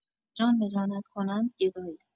جان به جانت کنند گدایی.